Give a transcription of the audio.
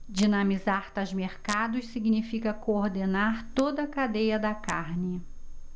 dinamizar tais mercados significa coordenar toda a cadeia da carne